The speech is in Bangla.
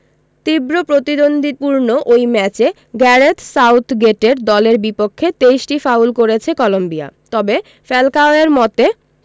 তীব্র প্রতিদ্বন্দ্বিপূর্ণ ওই ম্যাচে গ্যারেথ সাউথগেটের দলের বিপক্ষে ২৩টি ফাউল করেছে কলম্বিয়া তবে ফ্যালকাওয়ের মতে